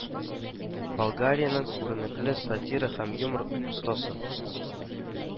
Болгариянең күренекле сатира һәм юмор остасы